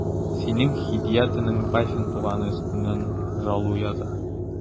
Синең Һидият энең Вафин туганы өстеннән жалу яза...